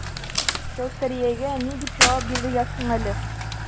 Кәүсәриягә ни дип җавап бирергә соң әле?